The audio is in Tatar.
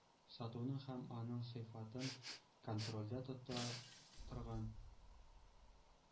Сатуны һәм аның сыйфатын контрольдә тота торган